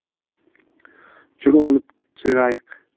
jur olib chig'ayiq